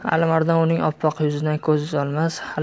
alimardon uning oppoq yuzidan ko'z uzolmas